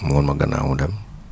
mu wan ma gannaaw mu dem